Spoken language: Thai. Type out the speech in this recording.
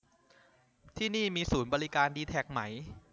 ที่นี่มีศูนย์บริการดีแทคไหม